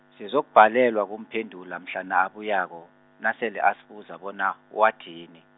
sizokubhalelwa kumphendula mhlana abuyako, nasele asibuza bona, wathini.